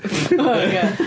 O ie.